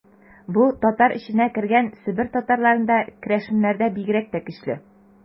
Бу татар эченә кергән Себер татарларында, керәшеннәрдә бигрәк тә көчле.